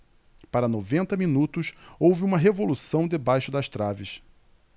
para noventa minutos houve uma revolução debaixo das traves